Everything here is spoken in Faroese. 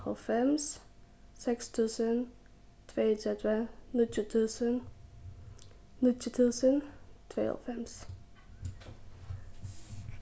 hálvfems seks túsund tveyogtretivu níggju túsund níggju túsund tveyoghálvfems